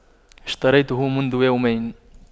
اشتريته منذ يومين